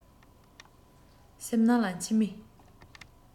སེམས ནང ལ མཆི མའི